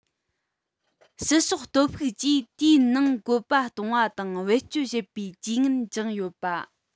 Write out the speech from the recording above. ཕྱི ཕྱོགས སྟོབས ཤུགས ཀྱིས དེའི ནང བཀོད པ གཏོང བ དང བེད སྤྱོད བྱེད པའི ཇུས ངན བཅངས ཡོད པ